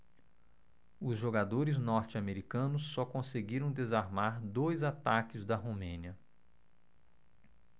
os jogadores norte-americanos só conseguiram desarmar dois ataques da romênia